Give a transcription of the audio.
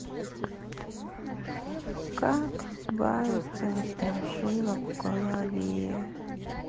как избавиться от страшилок в голове